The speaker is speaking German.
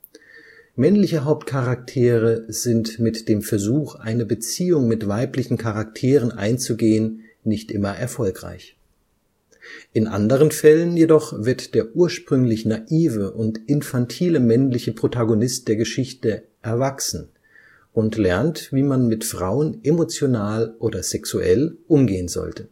Männliche Hauptcharaktere sind mit dem Versuch, eine Beziehung mit weiblichen Charakteren einzugehen, nicht immer erfolgreich. In anderen Fällen jedoch wird der ursprünglich naive und infantile männliche Protagonist der Geschichte „ erwachsen “und lernt, wie man mit Frauen emotional oder sexuell umgehen sollte